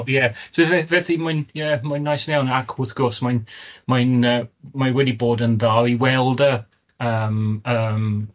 Ie. So f- felly mae'n ie mae'n neis iawn, ac wrth gwrs mae'n mae'n yy mae wedi bod yn dda i weld y yym yym yym